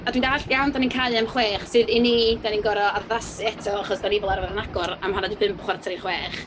A dwi'n dalld, iawn dan ni'n cau am chwech, sydd i ni, dan ni'n gorfod addasu eto achos dan ni fel arfer yn agor am hanner 'di pump, chwarter i chwech.